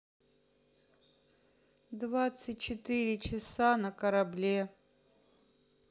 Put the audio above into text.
двадцать четыре часа на корабле